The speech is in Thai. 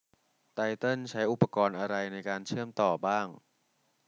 ไตเติ้ลใช้อุปกรณ์อะไรในการเชื่อมต่อบ้าง